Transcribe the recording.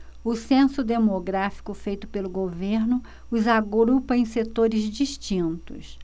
o censo demográfico feito pelo governo os agrupa em setores distintos